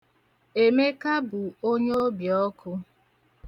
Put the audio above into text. Emeka bụ onye obiọkụ.